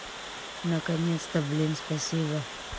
наконец то блин спасибо